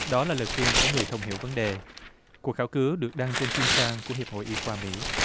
đó là lời khuyên của người thông hiểu vấn đề cuộc khảo cứu được đăng trên chuyên san của hiệp hội y khoa mỹ